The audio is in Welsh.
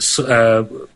sy- yy we-